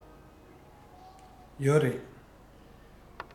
ཡོད རེད